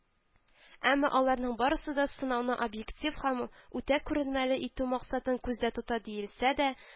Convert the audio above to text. Әмма аларның барысы да сынауны объектив һәм үтәкүренмәле итү максатын күздә тота диелсә дә